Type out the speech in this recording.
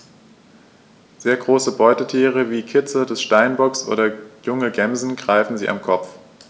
Sehr große Beutetiere wie Kitze des Steinbocks oder junge Gämsen greifen sie am Kopf.